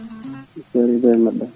ceerno Ibrahima mbaɗɗa